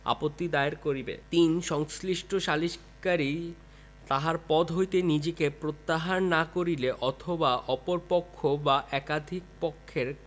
আপত্তি দায়ের করিবে ৩ সংশ্লিষ্ট সালিসকারী তাহার পদ হইতে নিজেকে প্রত্যাহার না করিলে অথবা অপর পক্ষ বা একাধিক পক্ষের